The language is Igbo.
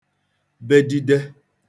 bedide